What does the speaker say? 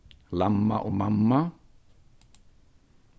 lamma og mamma